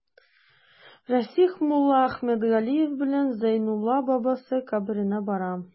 Расих Муллаәхмәт Галиев белән Зәйнулла бабасы каберенә бара.